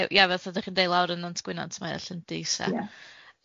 A ia fatha 'da chi'n deud lawr yn Nant Gwynant mae o allan Llyndy Isa.